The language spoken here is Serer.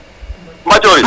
Mbathiori